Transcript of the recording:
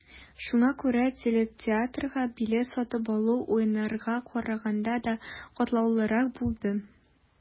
Шуңа күрә телетеатрга билет сатып алу, Уеннарга караганда да катлаулырак булды.